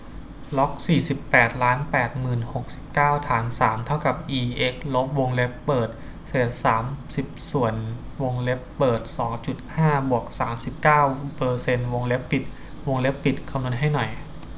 ล็อกสี่สิบแปดล้านแปดหมื่นหกสิบเก้าฐานสามเท่ากับอีเอ็กซ์ลบวงเล็บเปิดเศษสามสิบส่วนวงเล็บเปิดสองจุดห้าบวกสามสิบเก้าเปอร์เซ็นต์วงเล็บปิดวงเล็บปิดคำนวณให้หน่อย